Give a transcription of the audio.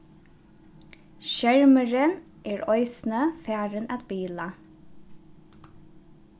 skermurin er eisini farin at bila